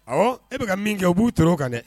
Ɔ e bɛka ka min kɛ u b'u t kan dɛ